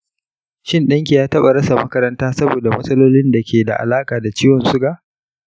shin ɗanki ya taɓa rasa makaranta saboda matsalolin da ke da alaƙa da ciwon suga?